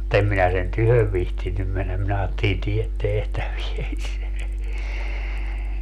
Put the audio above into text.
mutta en minä sen tykö viitsinyt mennä minä ajattelin tee tehtävääsi